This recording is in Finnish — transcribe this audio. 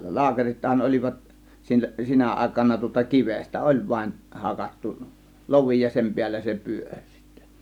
laakerithan olivat - sinä aikana tuota kivestä oli vain hakattu lovi ja sen päällä se pyöri sitten